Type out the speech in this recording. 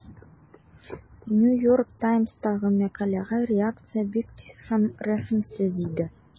New York Times'тагы мәкаләгә реакция бик тиз һәм рәхимсез иде.